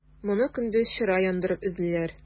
Моны көндез чыра яндырып эзлиләр.